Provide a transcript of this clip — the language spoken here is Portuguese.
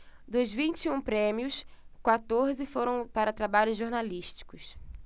dos vinte e um prêmios quatorze foram para trabalhos jornalísticos